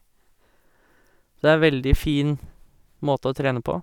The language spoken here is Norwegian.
Så det er veldig fin måte å trene på.